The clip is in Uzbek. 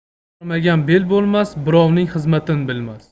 beli og'rimagan bel bo'lmas birovning xizmatin bilmas